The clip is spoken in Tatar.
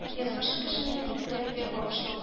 Язмышы кешене илне күтәрүгә багышланган